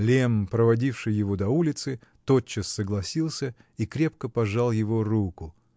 Лемм, проводивший его до улицы, тотчас согласился и крепко пожал его руку